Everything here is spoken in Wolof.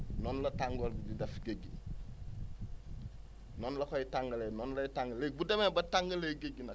noonu la tàngoor bi di def géej gi noonu la koy tàngalee noonu lay tàng léegi bu demee ba tàngalee géej gi nag